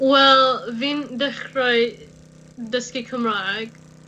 Wel, fi'n dechrau dysgu Cymraeg